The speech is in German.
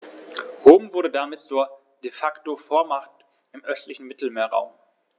Rom wurde damit zur ‚De-Facto-Vormacht‘ im östlichen Mittelmeerraum.